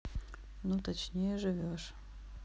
ну точнее живешь